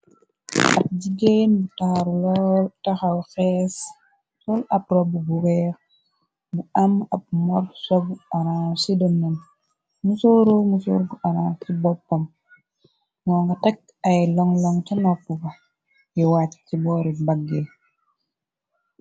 Ab jigéen bu taaru lool texaw xees tol ab rob bu weex bu am ab mor-sogu aran ci denen mu sóoro mu soorgu arang ci boppam mo nga tekk ay lon-loŋ ce noppuba yi wacc ci boori baggee.